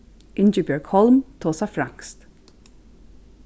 ingibjørg holm tosar franskt